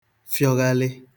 fịọghalị